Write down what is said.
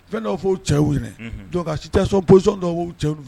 Fɛn dɔw' fɔ' cɛw si taa sɔn bosɔnon dɔw' cɛw